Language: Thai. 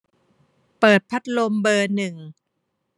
เปิดพัดลมเบอร์หนึ่ง